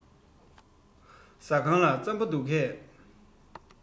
ཟ ཁང ལ རྩམ པ འདུག གས